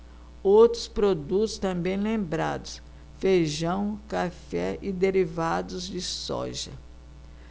outros produtos também lembrados feijão café e derivados de soja